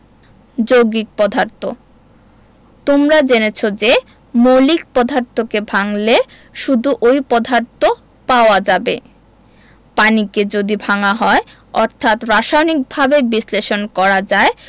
যৌগিক পদার্থ তোমরা জেনেছ যে মৌলিক পদার্থকে ভাঙলে শুধু ঐ পদার্থ পাওয়া যাবে পানিকে যদি ভাঙা হয় অর্থাৎ রাসায়নিকভাবে বিশ্লেষণ করা যায়